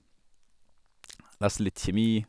Leste litt kjemi.